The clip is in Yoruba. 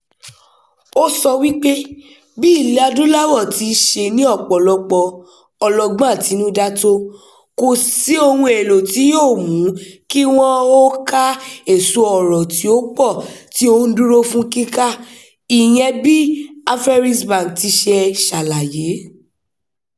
Ó sọ wípé bí Ilẹ̀-Adúláwọ̀ ti ṣe ní ọ̀pọ̀lọpọ̀ ọlọ́gbọ́n àtinudá tó, kò sí ohun èlò tí yóò mú kí wọn ó ká èso ọrọ̀ tí ó pọ̀ tí ó ń dúró fún kíká, ìyẹn bí Afreximbank ti ṣe ṣàlàyé.